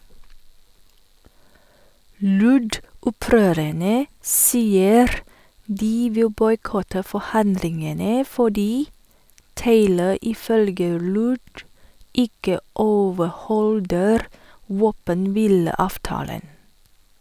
LURD-opprørerne sier de vil boikotte forhandlingene fordi Taylor ifølge LURD ikke overholder våpenhvileavtalen.